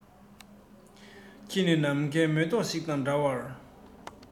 ཁྱེད ནི ནམ མཁའི མེ ཏོག ཞིག དང འདྲ བར